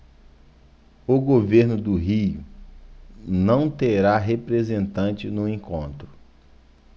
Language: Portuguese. o governo do rio não terá representante no encontro